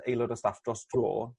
aelod o staff dros dro